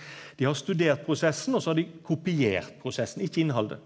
dei har studert prosessen og så har dei kopiert prosessen, ikkje innhaldet.